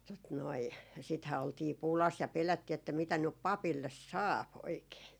tuota noin sittenhän oltiin pulassa ja pelättiin että mitä nyt papille saa oikein